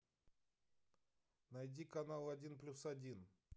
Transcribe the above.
найди канал один плюс один